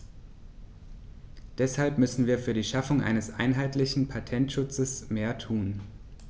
Deshalb müssen wir für die Schaffung eines einheitlichen Patentschutzes mehr tun.